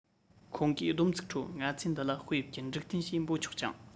ཁོང གིས བསྡོམས ཚིག ཁྲོད ང ཚོས འདི ལ དཔེ དབྱིབས ཀྱི འགྲིག མཐུན ཞེས འབོད ཆོག ཀྱང